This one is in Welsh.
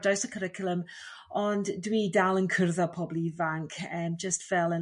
draws y cwricwlwm ond dwi dal yn cwrdd â pobl ifanc yym jyst fel yn